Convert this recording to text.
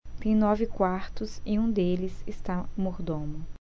tem nove quartos e em um deles está o mordomo